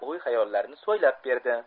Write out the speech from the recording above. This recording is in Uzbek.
o'y hayollarini so'ylab berdi